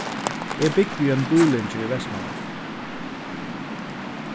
eg búgvi í einum býlingi í vestmanna